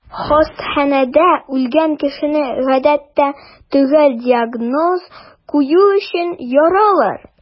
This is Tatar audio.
Хастаханәдә үлгән кешене, гадәттә, төгәл диагноз кую өчен яралар.